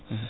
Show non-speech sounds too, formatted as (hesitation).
(hesitation) (hesitation)